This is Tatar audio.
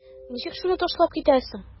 Ничек шуны ташлап китәсең?